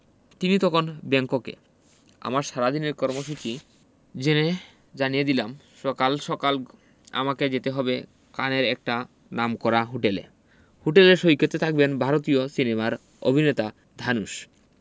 তিনি তখন ব্যাংককে আমার সারাদিনের কর্মসূচি জেনে জানিয়ে দিলাম সকাল সকাল আমাকে যেতে হবে কানের একটা নামকরা হোটেলে হোটেলের সৈকতে থাকবেন ভারতীয় সিনেমার অভিনেতা ধানুশ